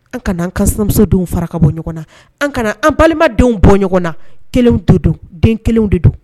An kana an kamusodenw fara bɔ ɲɔgɔn na an kana an balimadenw bɔ ɲɔgɔn na kelen to don den kelen de don